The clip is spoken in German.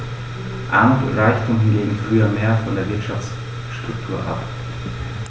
Armut und Reichtum hingen früher mehr von der Wirtschaftsstruktur ab.